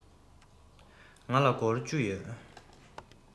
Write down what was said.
ང ལ སྒོར བཅུ ཡོད